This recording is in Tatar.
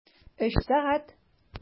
Өч сәгать!